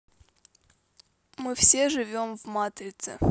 мы все живем в матрице